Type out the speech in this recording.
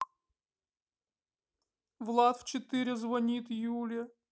влад а четыре звонит юле